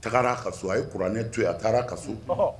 A taara ka so a ye kuranɛ to a taara a ka so